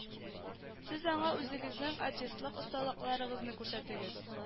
Сез аңа үзегезнең артистлык осталыкларыгызны күрсәтегез